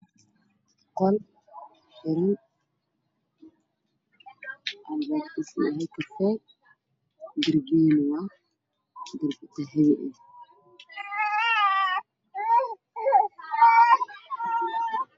Dariiqaan cusub ayaa saaran sariirta telefoonkaas waa telefoon qaali ah ka horkiisuna waa caddaan